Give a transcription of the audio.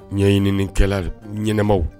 Ɲɛɲiniinikɛla ɲɛnɛmaw